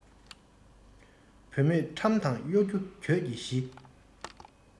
བུད མེད ཁྲམ དང གཡོ སྒྱུ གྱོད ཀྱི གཞི